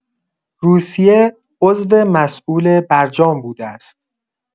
روسیه عضو مسوول برجام بوده است.